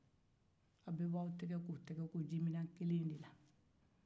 a beɛ b'aw tɛgɛ ko jimnɛn kelen in de la